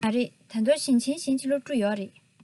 མ རེད ད དུང ཞིང ཆེན གཞན གྱི སློབ ཕྲུག ཡོད རེད